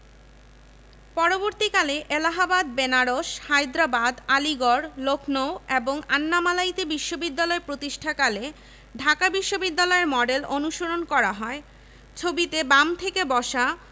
পরবর্তীকালে এলাহাবাদ বেনারস হায়দ্রাবাদ আলীগড় লক্ষ্ণৌ এবং আন্নামালাইতে বিশ্ববিদ্যালয় প্রতিষ্ঠাকালে ঢাকা বিশ্ববিদ্যালয়ের মডেল অনুসরণ করা হয় ছবিতে বাম থেকে বসা